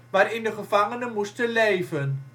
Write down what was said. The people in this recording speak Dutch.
waarin de gevangenen moesten leven